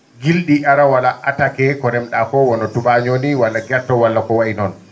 gil?i ara wa?a attaqué ko rem?aa ko wano tubaañoo nii wano gerte walla ko wayi noon